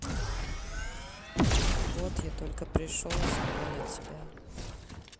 вот я только пришел с него на тебя